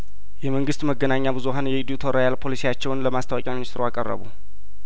የመንግስት መገናኛ ብዙሀን የኢዱቶሪያል ፖሊሲዎቻቸውን ለማስታወቂያ ሚኒስትሩ አቀረቡ